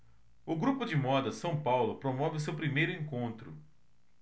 o grupo de moda são paulo promove o seu primeiro encontro